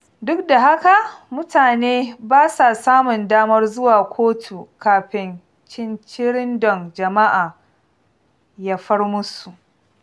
Duk da haka, mutanen ba sa samun damar zuwa kotu kafin cincirindon jama'a ya far musu.